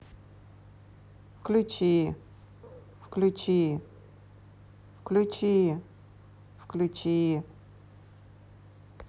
включи включи включи включи